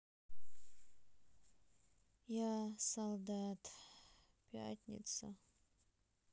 я солдат пятница